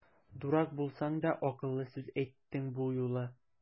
Дурак булсаң да, акыллы сүз әйттең бу юлы!